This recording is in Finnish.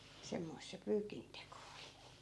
semmoista se pyykinteko oli